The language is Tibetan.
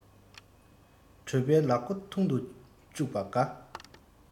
གྲོད པའི ལག མགོ ཐུང དུ བཅུག པ དགའ